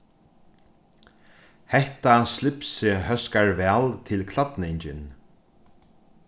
hetta slipsið hóskar væl til klædningin